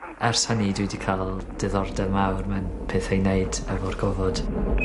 Ers hynny dwi 'di ca'l diddordeb mawr mewn pethe i neud efo'r gofod.